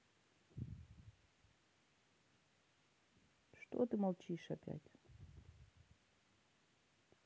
что ты молчишь опять